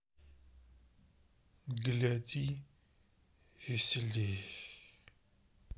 гляди веселей